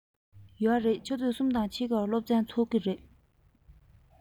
ཡོད རེད ཆུ ཚོད གསུམ དང ཕྱེད ཀར སློབ ཚན ཚུགས ཀྱི རེད